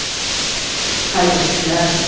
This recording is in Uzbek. qay bir kishilar